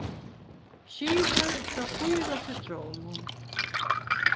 skivur frá fýra sitrónum